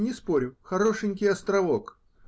Не спорю, хорошенький островок.